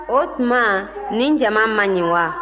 o tuma nin jama man ɲi wa